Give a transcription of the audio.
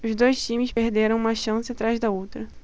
os dois times perderam uma chance atrás da outra